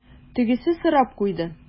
Тегесе сорап куйды: